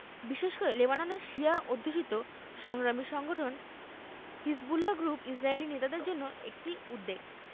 বিশেষ করে লেবাননের শিয়া অধ্যুষিত সংগ্রামী সংগঠন হিজবুল্লাহ গ্রুপ ইসরায়েলি নেতাদের জন্য একটি উদ্বেগ